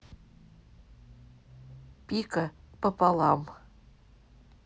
пика пополам